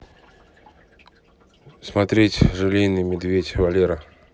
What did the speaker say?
смотреть желейный медведь валера